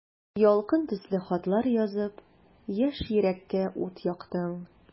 Ялкын төсле хатлар язып, яшь йөрәккә ут яктың.